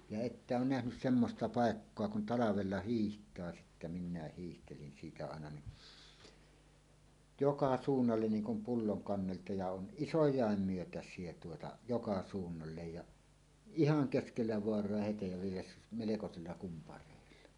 ja ette ole nähnyt semmoista paikkaa kun talvella hiihtää sitten niin minä hiihtelin siitä aina niin joka suunnalle niin kuin pullon kannelta ja on isojakin myötäisiä tuota joka suunnalle ja ihan keskellä vaaraa hete ja vielä melkoisilla kumpareilla